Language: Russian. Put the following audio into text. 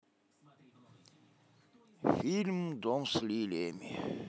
фильм дом с лилиями